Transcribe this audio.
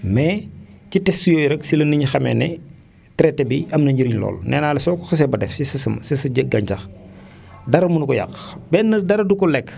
mais ci test yooyu rek si la nit ñi xamee ne traité bi am na njëriñ lool nee naa la soo ko xasee ba def si sa semensi sa gàncax dara mënuko yàq benn dara du ko lekk